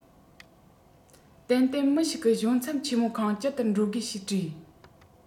ཏན ཏན མི ཞིག གིས གཞུང ཚབ ཆེ མོ ཁང ཅི ལྟར འགྲོ དགོས ཞེས དྲིས